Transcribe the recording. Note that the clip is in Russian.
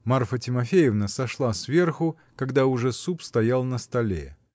Марфа Тимофеевна сошла сверху, когда уже суп стоял на столе.